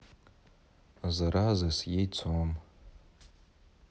зразы с яйцом